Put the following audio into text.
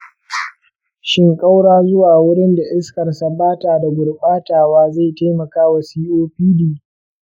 shin ƙaura zuwa wurin da iskar sa ba ta da gurbatawa zai taimaka wa copd?